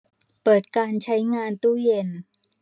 เปิดการใช้งานตู้เย็น